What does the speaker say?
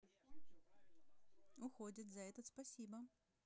уходит за этот спасибо